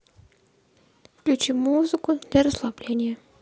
включи музыку для расслабления